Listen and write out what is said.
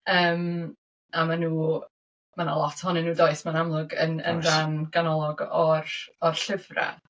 Yym a maen nhw... Mae 'na lot ohonyn nhw does, mae'n amlwg yn... oes. ...yn rhan ganolog o'r o'r llyfrau.